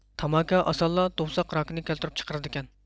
تاماكا ئاسانلا دوۋساق راكىنى كەلتۈرۈپ چىقىرىدىكەن